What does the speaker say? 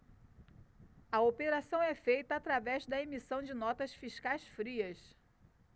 a operação é feita através da emissão de notas fiscais frias